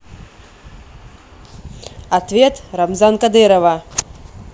ответ рамзан кадырова